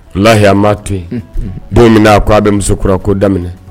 Lahiyama tun bon min a ko aa bɛ musokura ko daminɛ